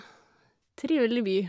Trivelig by.